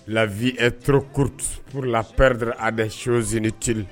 La veurur pur la ppɛpd a de son zietiriri